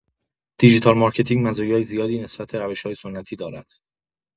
دیجیتال مارکتینگ مزایای زیادی نسبت به روش‌های سنتی دارد.